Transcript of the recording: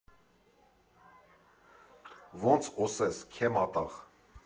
֊ Ոնց օսես, քե մատաղ։